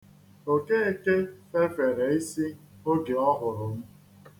Okeke fefere isi oge ọ hụrụ m.